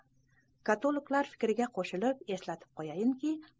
katoliklar fikriga qo'shilib eslatib qo'yaylikki